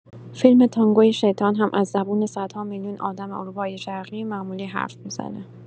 فیلم تانگوی شیطان هم از زبون صدها میلیون آدم اروپای شرقی معمولی حرف می‌زنه.